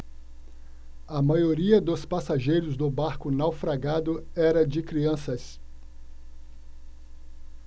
a maioria dos passageiros do barco naufragado era de crianças